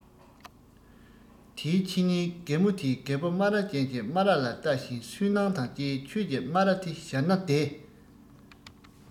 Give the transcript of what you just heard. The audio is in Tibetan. དེའི ཕྱི ཉིན རྒན མོ དེས རྒད པོ སྨ ར ཅན གྱི སྨ ར ལ ལྟ བཞིན སུན སྣང དང བཅས ཁྱོད ཀྱི སྨ ར དེ གཞར ན བདེ